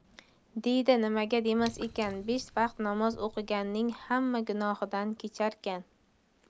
deydi nimaga demas ekan besh vaqt namoz o'qiganning hamma gunohidan kecharkan